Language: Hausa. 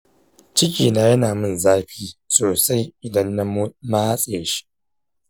cikina yana min zafi sosai idan na matse shi.